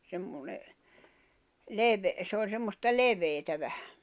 semmoinen - se oli semmoista leveää vähän